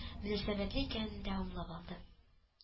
Мөнәсәбәтле икәнен дә аңлап алды